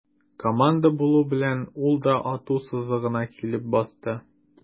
Команда булу белән, ул да ату сызыгына килеп басты.